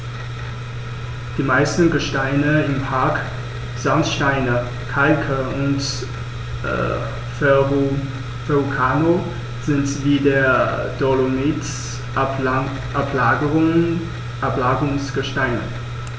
Die meisten Gesteine im Park – Sandsteine, Kalke und Verrucano – sind wie der Dolomit Ablagerungsgesteine.